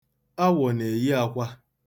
Awọ na-eyi akwa.